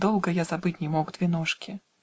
долго я забыть не мог Две ножки.